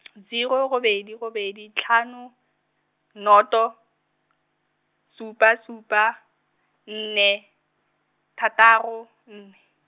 zero robedi robedi tlhano, nnoto, supa supa, nne, thataro, nne.